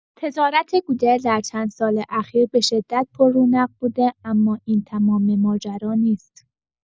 تجارت گوگل در چند سال اخیر به‌شدت پر رونق بوده، اما این تمام ماجرا نیست!